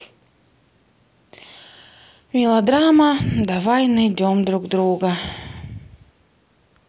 мелодрама давай найдем друг друга